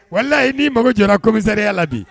Wala layi n' mago jɛra kɔmimisaya la bi